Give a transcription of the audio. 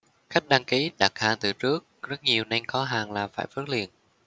khách đăng ký đặt hàng từ trước rất nhiều nên có hàng là phải vớt liền